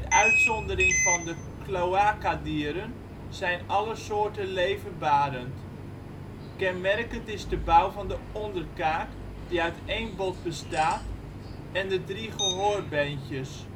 uitzondering van de cloacadieren zijn alle soorten levendbarend. Kenmerkend is de bouw van de onderkaak, die uit één bot bestaat, en de drie gehoorbeentjes